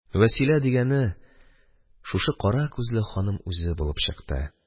Вәсилә дигәне шушы кара күзле ханым үзе булып чыкты,